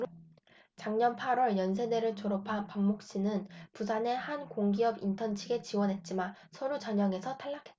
작년 팔 월 연세대를 졸업한 박모씨는 부산의 한 공기업 인턴 직에 지원했지만 서류 전형에서 탈락했다